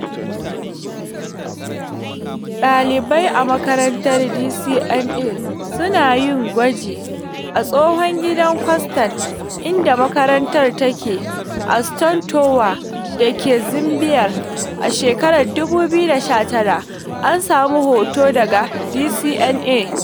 ɗalibai a makarantar DCMA su na yin gwaji a Tsohon Gidan Kwastam inda makarantar take, a Stone Town da ke Zanzibar a shekarar 2019. An samo hoton daga DCMA.